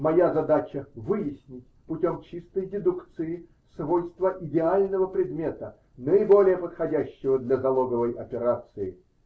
Моя задача: выяснить, путем чистой дедукции, свойства идеального предмета, наиболее подходящего для залоговой операции.